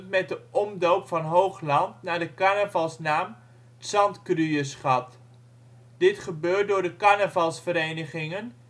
met de omdoop van Hoogland naar de carnavalsnaam: ' t Zandkruuersgat. Dit gebeurt door de carnavalsverenigingen